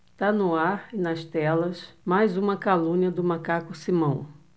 tá no ar e nas telas mais uma calúnia do macaco simão